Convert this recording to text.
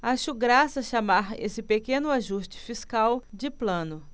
acho graça chamar esse pequeno ajuste fiscal de plano